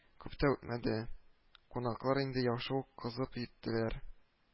Күп тә үтмәде, кунаклар инде яхшы ук кызып җиттеләр